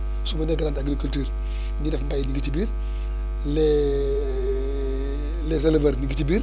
su ma nee grande agriculture ñiy def mbéy ñu ngi ci biir les les éleveurs ñu ngi ci biir